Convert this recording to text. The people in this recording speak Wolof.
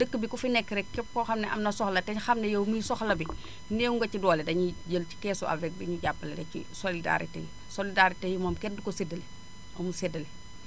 dëkk bi ku fi nekk rek képp koo xam ne am na soxla te ñu xam ne yow mii soxla bi néew nga ci doole dañuy jël ci keesu avec bi ñu jàppale la ci solidarité yi solidarité yi moom kenn du ko séddale amul séddal